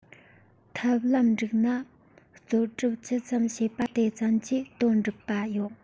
ཐབས ལམ འགྲིག ན རྩོལ སྒྲུབ ཇི ཙམ བྱས པ དེ ཙམ གྱིས དོན འགྲུབ པ ཡོང